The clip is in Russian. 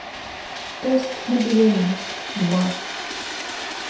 тест на беременность два